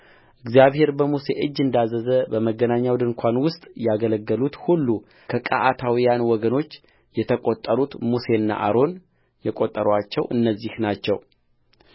እግዚአብሔር በሙሴ እጅ እንዳዘዘ በመገናኛው ድንኳን ውስጥ ያገለገሉት ሁሉ ከቀዓታውያን ወገኖች የተቈጠሩት ሙሴና አሮን የቈጠሩአቸው እነዚህ ናቸው